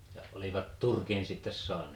ja olivat turkin sitten saaneet